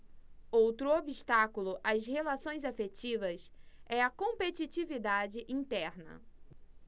outro obstáculo às relações afetivas é a competitividade interna